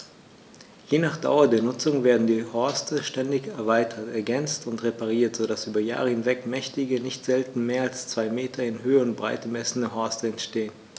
Je nach Dauer der Nutzung werden die Horste ständig erweitert, ergänzt und repariert, so dass über Jahre hinweg mächtige, nicht selten mehr als zwei Meter in Höhe und Breite messende Horste entstehen.